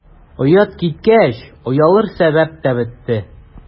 Оят киткәч, оялыр сәбәп тә бетте.